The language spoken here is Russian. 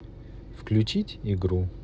включить игру